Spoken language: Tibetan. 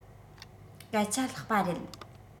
སྐད ཆ ལྷག པ རེད